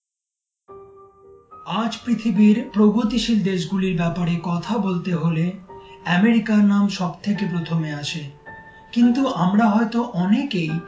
আজ পৃথিবীর প্রগতিশীল দেশগুলোর ব্যাপারে কথা বলতে হলে এমেরিকার নাম সবথেকে প্রথমে আসে কিন্তু আমরা হয়তো অনেকেই